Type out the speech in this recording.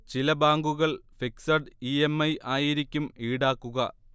ചില ബാങ്കുകൾ fixed EMI ആയിരിക്കും ഈടാക്കുക